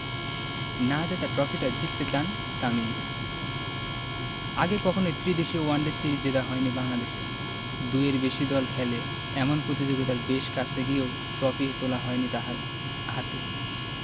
না জেতা ট্রফিটা জিততে চান তামিম আগে কখনোই ত্রিদেশীয় ওয়ানডে সিরিজ জেতা হয়নি বাংলাদেশের দুইয়ের বেশি দল খেলে এমন প্রতিযোগিতায় বেশ কাছে গিয়েও ট্রফি তোলা হয়নি তার হাতে